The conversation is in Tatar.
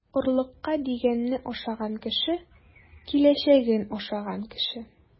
Орлыкка дигәнне ашаган кеше - киләчәген ашаган кеше.